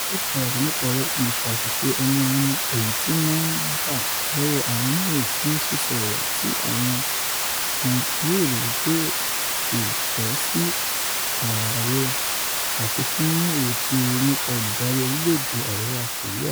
Ó ṣe àwàdà nípa ọ̀rọ̀ ìfàṣìṣe-ẹnihànni èyití ma ǹ gbà l’ọwọ́ àwọn oníròyìn fún sísọ ọ̀rọ̀ tí àwọn kan yóò rò wípé ''Kò tọ si ààrẹ̀'' àti fún níní írètí rere nipa olὺdarí orílẹ̀-èdè Ariwa Kòríà.